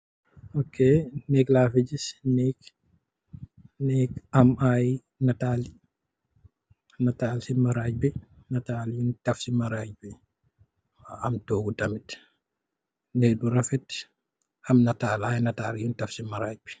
Nèèk lafi ngis, nèèk, am ay nital yun taf ci Maraj bi, am doghu tamid, nèèk bu rafet.